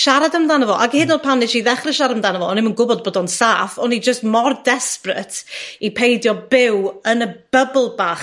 siarad amdano fo, ag hyd yn o'd pan nesh i ddechre siarad amdano fo o'n i'm yn gwbod bod o'n saff o'n i jyst mor desperate i peidio byw yn y bybl bach